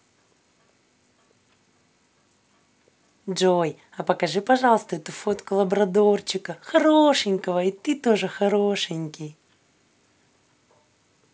джой а покажи пожалуйста эту фотку лабрадорчика хорошенького и ты тоже хороший